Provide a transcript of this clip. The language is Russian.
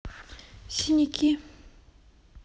синяки